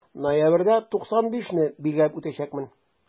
Ноябрьдә 95 не билгеләп үтәчәкмен.